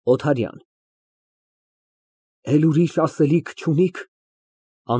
ՕԹԱՐՅԱՆ ֊ Էլ ուրիշ ասելիք չունի՞ք։